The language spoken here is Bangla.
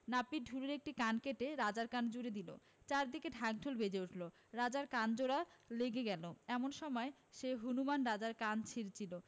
নাপিত ঢুলির একটি কান কেটে রাজার কানে জুড়ে দিল চারদিকে ঢাক ঢোল বেজে উঠল রাজার কান জোড়া লেগে গেল এমন সময় যে হনুমান রাজার কান ছিঁড়েছিল